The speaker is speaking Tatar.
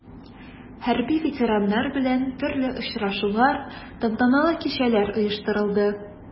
Хәрби ветераннар белән төрле очрашулар, тантаналы кичәләр оештырылды.